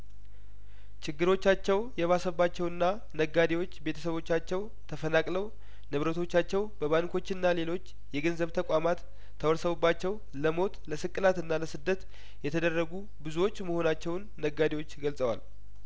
ችግሮቻቸው የባሰባቸውና ነጋዴዎች ቤተሰቦቻቸው ተፈናቅለው ንብረቶቻቸው በባንኮችና ሌሎች የገንዘብ ተቋማት ተወርሰውባቸው ለሞት ለስቅላትና ለስደት የተደረጉ ብዙዎች መሆናቸውን ነጋዴዎች ገልጸዋል